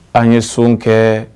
An ye son kɛ